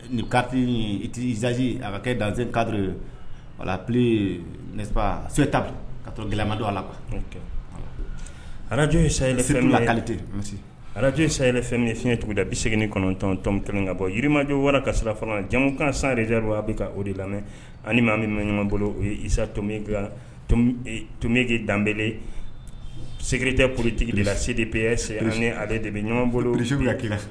Zali az kama a la araj sate araj sa fɛn fiɲɛ tun da bɛ segin kɔnɔntɔntɔntɔn kan bɔ jirimajɔ wara ka sira fɔlɔ jamumukan san yɛrɛ a bɛ ka o de lamɛn ani maa min bolosabege danbeblen segrire tɛ ptigila se de pe sɛ ni ale de bɛ ɲumanbolo